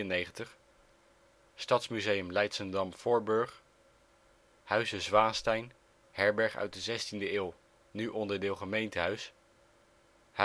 1889-1893 Stadsmuseum Leidschendam-Voorburg Huize Swaensteyn, herberg uit de 16e eeuw, nu onderdeel gemeentehuis Huygensmuseum